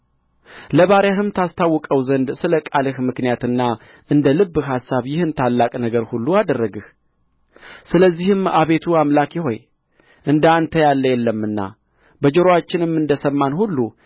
ለባሪያህም ታስታውቀው ዘንድ ስለ ቃልህ ምክንያትና እንደ ልብህ አሳብ ይህን ታላቅ ነገር ሁሉ አደረግህ ስለዚህም አቤቱ አምላኬ ሆይ እንደ አንተ ያለ የለምና በጆሮአችንም እንደ ሰማን ሁሉ